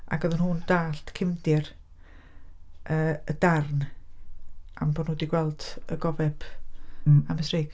Ac oeddan nhw'n dallt cefndir y darn am bo' nhw 'di gweld y gofeb am y streic.